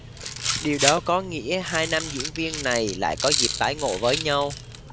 điều đó có nghĩa hai nam diễn viên này lại có dịp tái ngộ với nhau